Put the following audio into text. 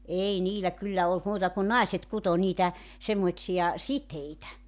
ei niillä kyllä ollut muuta kuin naiset kutoi niitä semmoisia siteitä